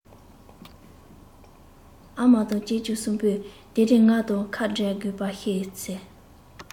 ཨ མ དང གཅེན གཅུང གསུམ པོས དེ རིང ང དང ཁ འབྲལ དགོས པ ཤེས ཚེ